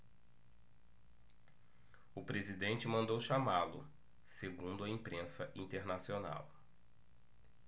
o presidente mandou chamá-lo segundo a imprensa internacional